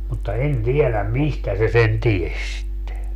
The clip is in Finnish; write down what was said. mutta en tiedä mistä se sen tiesi sitten